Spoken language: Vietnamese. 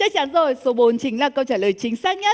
chắc chắn rồi số bốn chính là câu trả lời chính xác nhất